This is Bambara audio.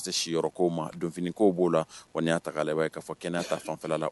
Se siyɔrɔ kow ma donfini kow b'o la wa n'i y'a ta k'a layɛ i b'(a ye ka fɔ kɛnɛya ta fanfɛla la